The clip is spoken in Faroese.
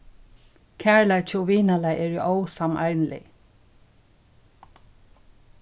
kærleiki og vinalag eru ósameinilig